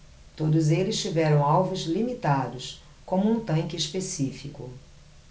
todos eles tiveram alvos limitados como um tanque específico